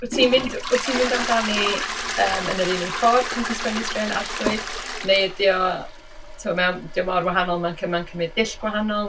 Wyt ti'n mynd wyt ti'n mynd amdani yym yn yr un un ffordd pan ti'n sgwennu straeon arswyd, neu ydy o... tibod mae o... dio mor wahanol mae'n cyma- cymryd dull gwahanol?